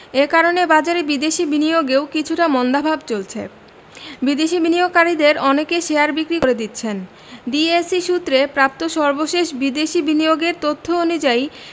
এ কারণে বাজারে বিদেশি বিনিয়োগেও কিছুটা মন্দাভাব চলছে বিদেশি বিনিয়োগকারীদের অনেকে শেয়ার বিক্রি করে দিচ্ছেন ডিএসই সূত্রে প্রাপ্ত সর্বশেষ বিদেশি বিনিয়োগের তথ্য অনুযায়ী